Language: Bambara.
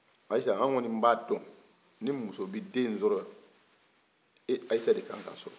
ayisa anw kɔni b'a dɔn ni muso bi den in sɔrɔ e ayisa de kan ka sɔrɔ